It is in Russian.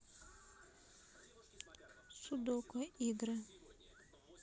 судоку игры